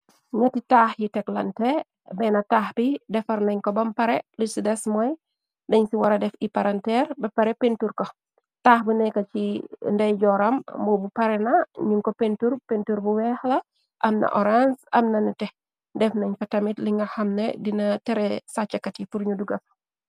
Nyeeti taax yi tek lante benn taax bi defar nañ ko bam pare lu si des mooy dañ ci wara def iparanteer ba pare pentur ko taax bi nekka ci ndey jooram moo bu parena ñun ko pentur pentur bu weex la amna orance am na na te def nañ fa tamit li nga xamne dina tere sàccakat yi purñu dugafa.